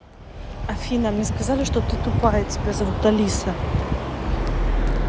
афина а мне сказали что ты тупая тебя зовут алиса